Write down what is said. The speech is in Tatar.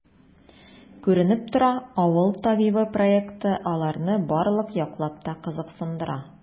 Күренеп тора,“Авыл табибы” проекты аларны барлык яклап та кызыксындыра.